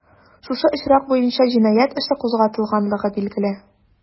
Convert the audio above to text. Шушы очрак буенча җинаять эше кузгатылганлыгы билгеле.